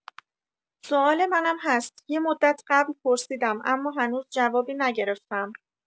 سوال منم هست یه مدت قبل پرسیدم اما هنوز جوابی نگرفتم.